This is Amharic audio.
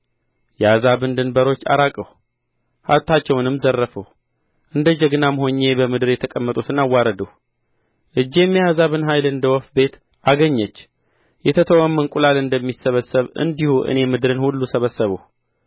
የአሕዛብን ድንበሮች አራቅሁ ሀብታቸውንም ዘረፍሁ እንደ ጀግናም ሆኜ በምድር የተቀመጡትን አዋረድሁ እጄም የአሕዛብን ኃይል እንደ ወፍ ቤት አገኘች የተተወም እንቍላል እንደሚሰበሰብ እንዲሁ እኔ ምድርን ሁሉ ሰበሰብሁ